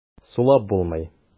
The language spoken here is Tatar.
Сулап булмый.